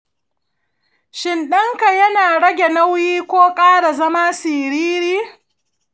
shin ɗan ka yana rage nauyi ko ƙara zama siriri?